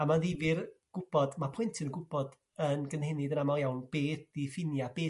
A ma'n ddifyr gw'bod ma' plentyn yn gw'bod yn gynhenydd yn amal iawn be' ydi ffinia be'